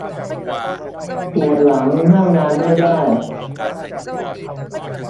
ปวดหลังนั่งนานไม่ได้